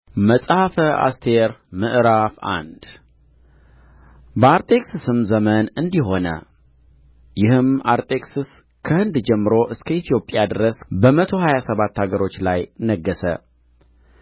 መጽሐፈ አስቴር ምዕራፍ አንድ በአርጤክስስም ዘመን እንዲህ ሆነ ይህም አርጤክስስ ከህንድ ጀምሮ እስከ ኢትዮጵያ ድረስ በመቶ ሀያ ሰባት አገሮች ላይ ነገሠ